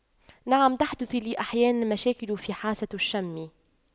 نعم تحدث لي أحيانا مشاكل في حاسة الشم